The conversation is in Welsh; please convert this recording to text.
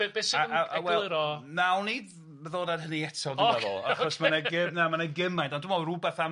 Be' be' sydd yn egluro... A a a wel nawn ni ar hynny eto dwi'n meddwl achos ma' 'na gyr- na ma' 'na gymaint ond dwi'n meddwl rwbeth am